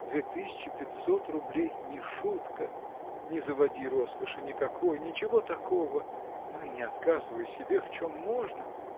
Две тысячи пятьсот рублей не шутка. Не заводи роскоши никакой ничего такого но и не отказывай себе в чем можно